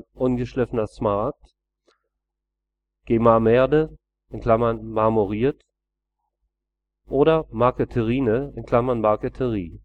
ungeschliffener Smaragd), ' Ghemarmerde ' (marmoriert) oder ' Marquetrine ' (Marketerie